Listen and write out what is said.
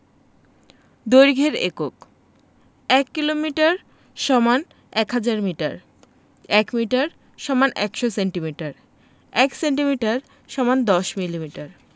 দৈর্ঘ্যের একক ১ kilometre = ১০০০ metre ১ metre = ১০০ centimetre ১ centimetre = ১০ millimetre